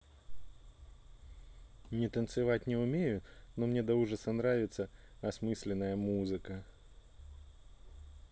не танцевать не умею но мне до ужаса нравится осмысленная музыка